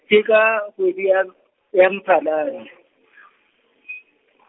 ke ka, kgwedi ya , ya Mphalane .